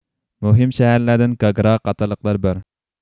مۇھىم شەھەرلەردىن گاگرا قاتارلىقلار بار